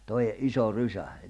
toe iso rysä